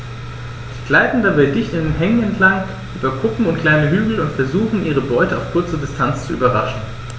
Sie gleiten dabei dicht an Hängen entlang, über Kuppen und kleine Hügel und versuchen ihre Beute auf kurze Distanz zu überraschen.